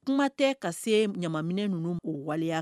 Kuma tɛ ka se ɲaminɛ ninnu o waleya